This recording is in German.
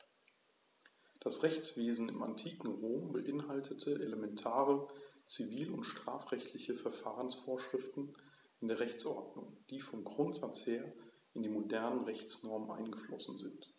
Das Rechtswesen im antiken Rom beinhaltete elementare zivil- und strafrechtliche Verfahrensvorschriften in der Rechtsordnung, die vom Grundsatz her in die modernen Rechtsnormen eingeflossen sind.